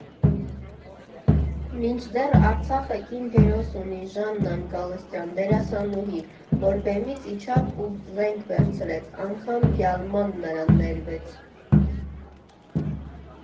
Մինչդեռ Արցախը կին հերոս ունի՝ Ժաննան Գալստյան՝ դերասանուհի, որ բեմից իջավ ու զենք վերցրեց (անգամ «գյալմա»֊ն նրան ներվեց)։